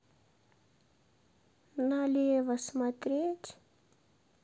налево смотреть